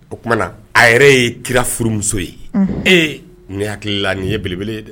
O tumana a yɛrɛ ye kira furumuso ye. Unhun. Ee ne hakilila ni ye belebele ye dɛ.